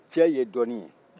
cɛ ye dɔɔnin ye